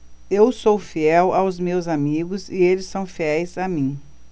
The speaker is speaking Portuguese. eu sou fiel aos meus amigos e eles são fiéis a mim